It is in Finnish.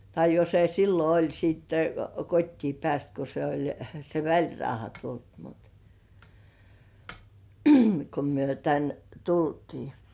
tai jo se silloin oli sitten kotiin päässyt kun se oli se välirauha tullut mutta kun me tänne tultiin